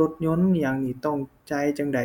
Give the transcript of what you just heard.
รถยนต์อิหยังหนิ ต้องจ่ายจั่งใด